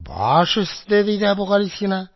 Баш өсте, – диде Әбүгалисина,